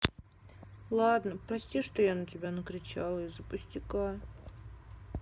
ладно прости что я на тебя накричала из за пустяка